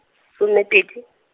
some pedi.